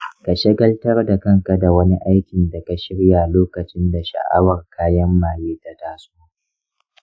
ka shagaltar da kanka da wani aikin da ka shirya lokacin da sha’awar kayan maye ta taso.